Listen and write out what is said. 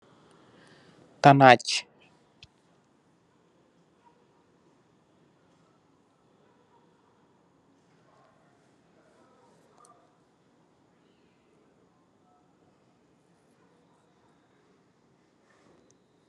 Tanarge aye nit nyokoy jeffedekouwe